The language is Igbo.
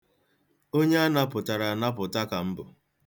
Onye a napụtara anapụta ka m bụ.